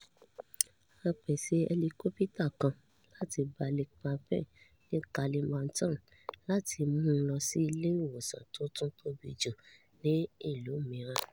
A pèṣè hẹlikópítà kan láti Balikpapan ní Kalimantan láti mú lọ sí ilé ìwòsàn tó tún tóbi jù ní ìlú mìíràn.